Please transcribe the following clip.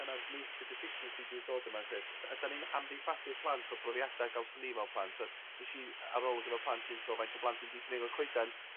yna'r nature difficiency disorder 'ma sud... D- ydan ni'n amddiffadu'r plant o brofiada' gawson ni fel plant 'wan wnes i arolwg ero'r plant hŷn so faint o blant sy 'di dringo coeden.